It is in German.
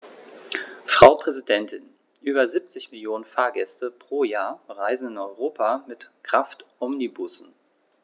Frau Präsidentin, über 70 Millionen Fahrgäste pro Jahr reisen in Europa mit Kraftomnibussen.